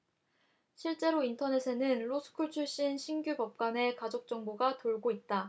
실제로 인터넷에는 로스쿨 출신 신규 법관의 가족 정보가 돌고 있다